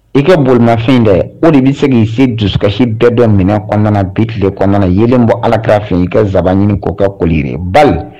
I ka bolimafɛn dɛ o de bɛ se k'i se dusukasi bɛɛ dɔ minɛ kɔnɔna biti kɔnɔna yenlen bɔ alara fɛ yen i kasaban ɲini ko kɛ kolire bali